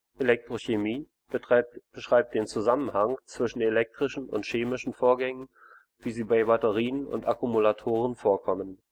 Elektrochemie beschreibt den Zusammenhang zwischen elektrischen und chemischen Vorgängen, wie sie bei Batterien und Akkumulatoren vorkommen